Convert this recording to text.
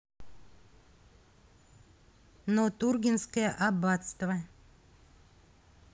но тургенское аббатство